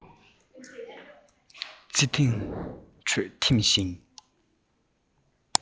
བརྩེ དུངས ཁྲོད འཐིམས ཤིང